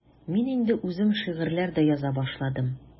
Мин инде үзем шигырьләр дә яза башладым.